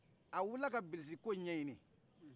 a wilila ka bilisi ko ɲɛɲini